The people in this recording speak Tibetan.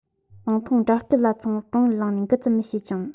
དང ཐོག འདྲ སྐུ ལ མཚུངས པར ཀྲོང ངེར ལངས ནས འགུལ ཙམ མི བྱེད ཅིང